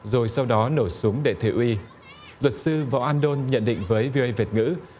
rồi sau đó nổ súng để thị uy luật sư võ an đôn nhận định với vi ây thuật ngữ